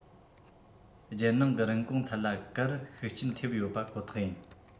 རྒྱལ ནང གི རིན གོང ཐད ལ ཀར ཤུགས རྐྱེན ཐེབས ཡོད པ ཁོ ཐག ཡིན